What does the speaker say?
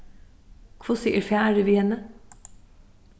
hvussu er farið við henni